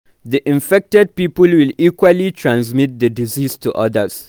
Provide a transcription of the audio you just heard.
The infected people will equally transmit the disease to others.